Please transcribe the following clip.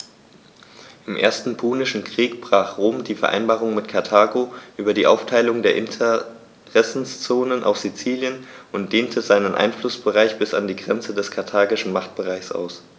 Im Ersten Punischen Krieg brach Rom die Vereinbarung mit Karthago über die Aufteilung der Interessenzonen auf Sizilien und dehnte seinen Einflussbereich bis an die Grenze des karthagischen Machtbereichs aus.